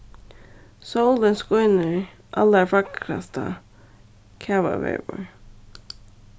sólin skínur allarfagrasta kavaveður